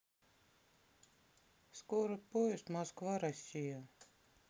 скорый поезд москва россия